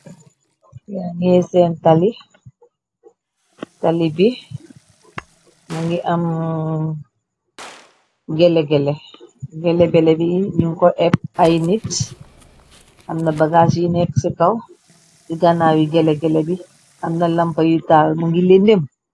yaa née seen tali bi mu ngi am gele gele bele bi ñu ko epp ay nips am na bagaas yi nekk ci kaw di ganaawi gele-gele bi amna lampa yu taal mu ngi leendém